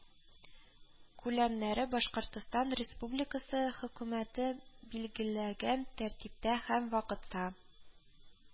Күләмнәре башкортстан республикасы хөкүмәте билгеләгән тәртиптә һәм вакытта